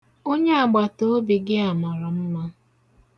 Onyeagbataobi gị a mara mma.